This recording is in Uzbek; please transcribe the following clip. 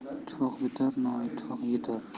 ittifoq bitar noittifoq yitar